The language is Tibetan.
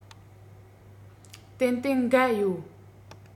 ཏན ཏན འགའ ཡོད